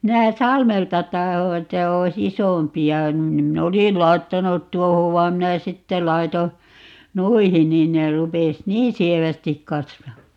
minä Salmelta tahdoin että olisi isompia niin minä olisin laittanut tuohon vaan minä sitten laitoin noihin niin ne rupesi niin sievästi kasvamaan